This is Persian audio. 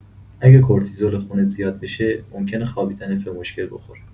اگه کورتیزول خونت زیاد بشه، ممکنه خوابیدنت به مشکل بخوره.